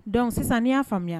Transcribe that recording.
Don sisan n'i y'a faamuya